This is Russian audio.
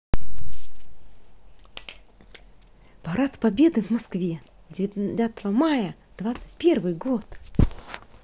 парад победы в москве девятого мая двадцать первый год